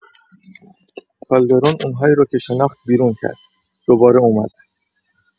کالدرون اون‌هایی که شناخت بیرون کرد دوباره اومدن.